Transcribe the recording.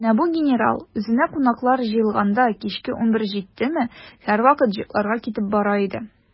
Менә бу генерал, үзенә кунаклар җыелганда, кичке унбер җиттеме, һәрвакыт йокларга китеп бара иде.